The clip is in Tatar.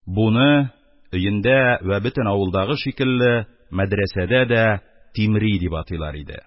Буны, өендә вә бөтен авылдагы шикелле, мәдрәсәдә дә «Тимри» дип атыйлар иде.